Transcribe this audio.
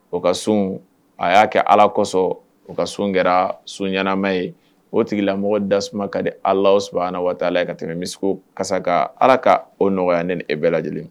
O ka sun a y'a kɛ ala kosɔn o ka sun kɛra sunyanama ye o tigilamɔgɔ da tasuma ka di ala saba waati ye ka tɛmɛ misi ka ka ala ka o nɔgɔya ne e bɛɛ lajɛlen